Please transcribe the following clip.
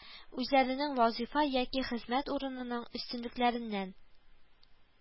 Үзләренең вазыйфа яки хезмәт урынының өстенлекләреннән